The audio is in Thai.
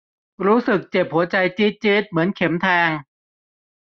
รู้สึกเจ็บหัวใจจี๊ดจี๊ดเหมือนเข็มแทง